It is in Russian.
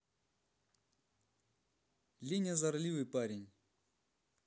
линь озорливый парень